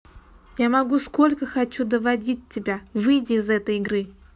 я могу сколько хочу доводить тебя выйди из этой игры